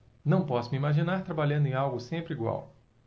não posso me imaginar trabalhando em algo sempre igual